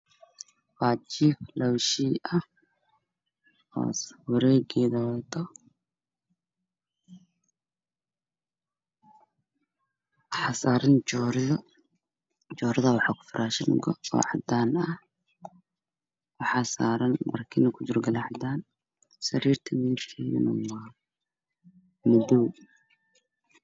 Waa jiif labo shey ah oo wareegisa wato waxaa saran joodari